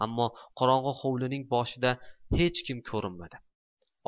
ammo qorong'i hovlining boshida hech kim ko'rinmadi